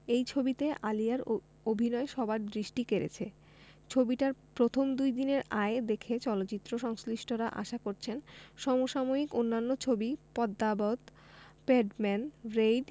এই ছবিতে আলিয়ার অভিনয় সবার দৃষ্টি কেড়েছে ছবিটার প্রথম দুইদিনের আয় দেখে চলচ্চিত্র সংশ্লিষ্টরা আশা করছেন সম সাময়িক অন্যান্য ছবি পদ্মাবত প্যাডম্যান রেইড